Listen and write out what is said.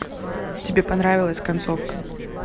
тебе понравилась концовка